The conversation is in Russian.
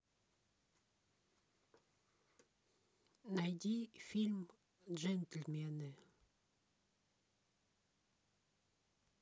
найди фильм джентльмены